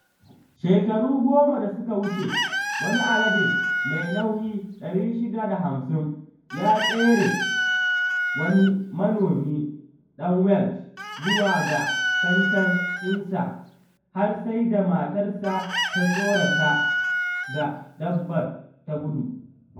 Shekaru goma da suka wuce, wani alade mai nauyi 650 ya tsire wani manomi dan Welsh zuwa ga tantan ɗinsa har sai da matarsa ta tsorata da dabbar ta gudu.